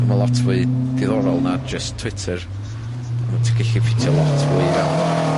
a ma' lot fwy diddorol na jyst Twitter, a ma', ti gellu ffitio lot fwy i fewn.